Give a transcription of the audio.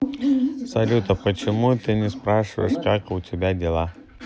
салют а почему ты не спрашиваешь как у тебя дела